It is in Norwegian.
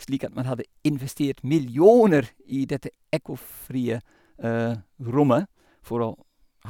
Slik at man hadde investert millioner i dette ekkofrie rommet for å